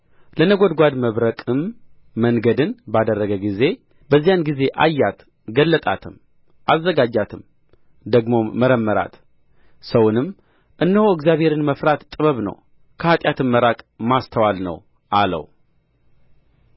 ለነጐድጓድ መብረቅም መንገድን ባደረገ ጊዜ በዚያን ጊዜ አያት ገለጣትም አዘጋጃትም ደግሞም መረመራት ሰውንም እነሆ እግዚአብሔርን መፍራት ጥበብ ነው ከኃጢአትም መራቅ ማስተዋል ነው አለው